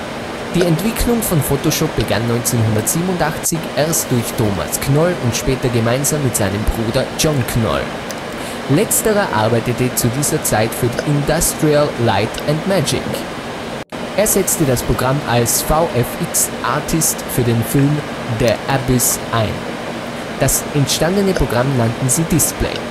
Die Entwicklung von Photoshop begann 1987, erst durch Thomas Knoll und etwas später gemeinsam mit seinem Bruder John Knoll. Letzterer arbeitete zu dieser Zeit für Industrial Light & Magic. Er setzte das Programm als VFX-Artist für den Film The Abyss ein. Das entstehende Programm nannten sie Display